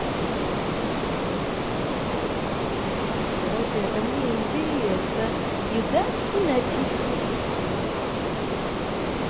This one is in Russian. вот это мне интересно еда и напитки